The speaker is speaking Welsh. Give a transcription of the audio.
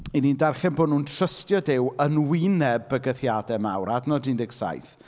'Y ni'n darllen bod nhw'n trystio Duw yn wyneb bygythiadau mawr, adnod un deg saith.